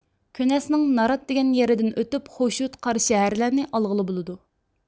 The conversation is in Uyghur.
كۈنەسنىڭ نارات دېگەن يېرىدىن ئۆتۈپ خوشۇت قارا شەھەرلەرنى ئالغىلى بولىدۇ